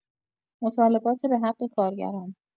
مطالبات به‌حق کارگران